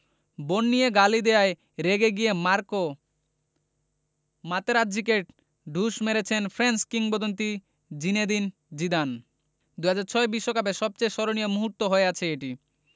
বোন নিয়ে গালি দেওয়ায় রেগে গিয়ে মার্কো মাতেরাজ্জিকে ঢুস মেরেছেন ফ্রেঞ্চ কিংবদন্তি জিনেদিন জিদান ২০০৬ বিশ্বকাপের সবচেয়ে স্মরণীয় মুহূর্ত হয়ে আছে এটি